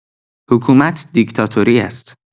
حکومت دیکتاتوری است